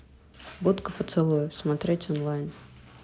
будка поцелуев смотреть онлайн